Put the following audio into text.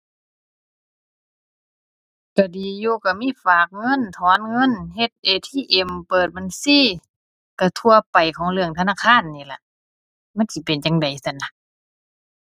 ก็ดีอยู่ก็มีฝากเงิน ถอนเงิน เฮ็ด ATM เปิดบัญชี ก็ทั่วไปของเรื่องธนาคารนี่ล่ะ มันสิจั่งใดซั้นนะ